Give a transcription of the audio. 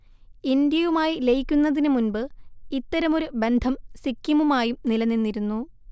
ഇന്ത്യയുമായി ലയിക്കുന്നതിനു മുൻപ് ഇത്തരമൊരു ബന്ധം സിക്കിമുമായും നിലനിന്നിരുന്നു